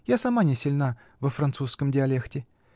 Я сама не сильна во французском "диалехте".